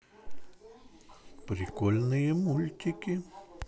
прикольные мультики